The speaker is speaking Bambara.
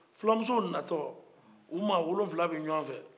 fulamusow na tɔ u maa wolowula bɛ jɔɔn fɛ